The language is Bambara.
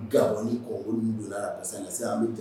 Gaɔni kɔkolon donna se an bɛ ta